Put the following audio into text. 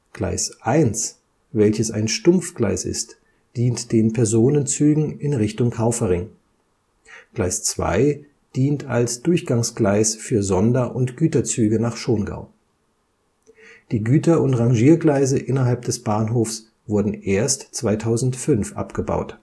Gleis 1, welches ein Stumpfgleis ist, dient den Personenzügen in Richtung Kaufering. Gleis 2 dient als Durchgangsgleis für Sonder - und Güterzügen nach Schongau. Die Güter - und Rangiergleise innerhalb des Bahnhofs wurden erst 2005 abgebaut